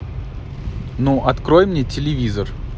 ну открой мне телевизор